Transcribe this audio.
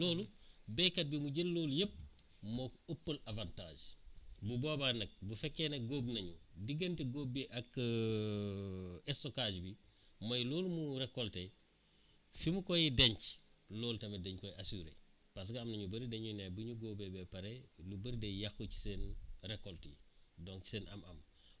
loolu béykat bi mu jël loolu yëpp moo ëppoon avantage bu boobaa nag bu fekkee ne góob nañu diggante góob bi ak stockage bi mooy loolu mu récolté fi mu koy denc loolu tamit dañ koy assuré parce que am na ñu bëri dañuy naan bu ñu góobee ba pare lu bëri day yàqu ci seen récolte yi donc seen am-am